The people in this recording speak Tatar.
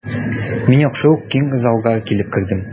Мин яхшы ук киң залга килеп кердем.